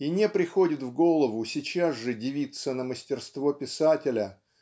и не приходит в голову сейчас же дивиться на мастерство писателя